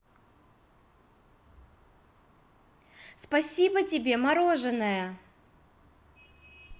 спасибо тебе мороженое